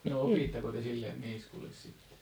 no opitteko te sille niiskulle sitten